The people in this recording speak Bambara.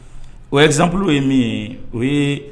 Sanp ye min ye o ye